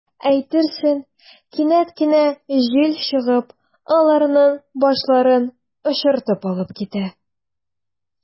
Әйтерсең, кинәт кенә җил чыгып, аларның “башларын” очыртып алып китә.